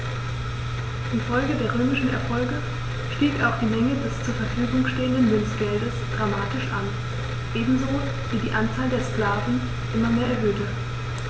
Infolge der römischen Erfolge stieg auch die Menge des zur Verfügung stehenden Münzgeldes dramatisch an, ebenso wie sich die Anzahl der Sklaven immer mehr erhöhte.